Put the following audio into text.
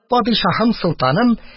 Падишаһым, солтаным!